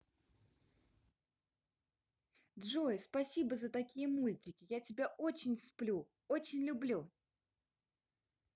джой спасибо за такие мультики я тебя очень сплю очень люблю